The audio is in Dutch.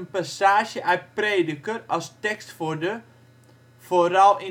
passage uit Prediker als tekst voor de, vooral